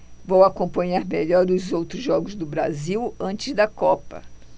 vou acompanhar melhor os outros jogos do brasil antes da copa